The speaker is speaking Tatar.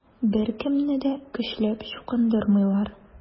Беркемне дә көчләп чукындырмыйлар.